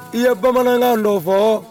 I ye Bamanankan dɔ fɔ